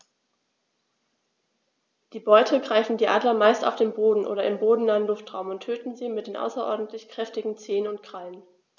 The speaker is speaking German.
Die Beute greifen die Adler meist auf dem Boden oder im bodennahen Luftraum und töten sie mit den außerordentlich kräftigen Zehen und Krallen.